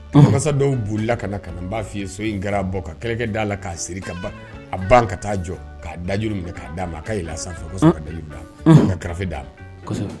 Masa dɔw burula ka kana na b'a f'i ye so in kɛra bɔ ka kɛrɛ d'a la'a siri ka ban a ba ka taaa jɔ'a daj minɛ k' d'a ma k ka jira sanfɛ ka da ka karafe d'a ma